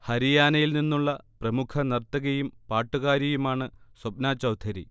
ഹരിയാനയിൽ നിന്നുള്ള പ്രമുഖ നർത്തകിയും പാട്ടുകാരിയുമാണ് സപ്ന ചൗധരി